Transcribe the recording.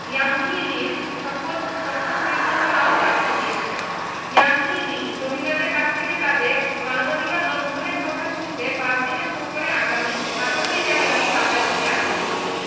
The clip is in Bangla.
ইয়াংহি লির সফর পরিকল্পনাও আটকে দিয়েছে ইয়াংহি লি রোহিঙ্গাদের কাছ থেকে তাদের মানবাধিকার লঙ্ঘনের কথা শুনতে পাঁচ দিনের সফরে আগামী ১৮ই জানুয়ারি বাংলাদেশে আসছেন